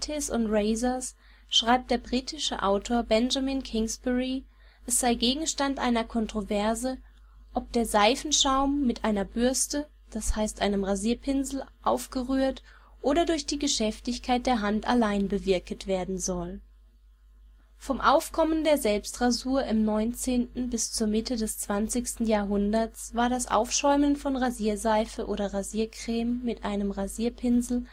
A treatise on razors schreibt der britische Autor Benjamin Kingsbury, es sei Gegenstand einer Kontroverse „ ob der Seifenschaum […] mit einer Bürste [d.h. einem Rasierpinsel] aufgerührt oder durch die Geschäftigkeit der Hand allein bewirket werden soll “. Vom Aufkommen der Selbstrasur im 19. bis zur Mitte des 20. Jahrhunderts war das Aufschäumen von Rasierseife oder Rasiercreme mit einem Rasierpinsel